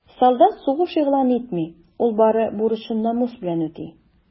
Солдат сугыш игълан итми, ул бары бурычын намус белән үти.